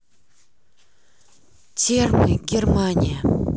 термы германия